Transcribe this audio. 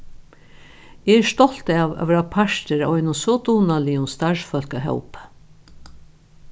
eg eri stolt av at vera partur av einum so dugnaligum starvsfólkahópi